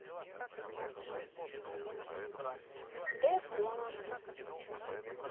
dead blonde